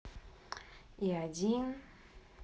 и один